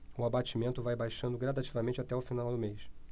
o abatimento vai baixando gradativamente até o final do mês